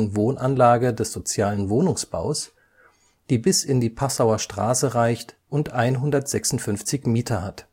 Wohnanlage des sozialen Wohnungsbaus, die bis in die Passauer Straße reicht und 156 Mieter hat